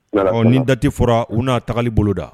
Nin datɛ fɔra u n'a tagali boloda